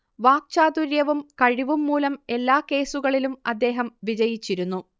വാക്ചാതുര്യവും കഴിവും മൂലം എല്ലാ കേസുകളിലും അദ്ദേഹം വിജയിച്ചിരുന്നു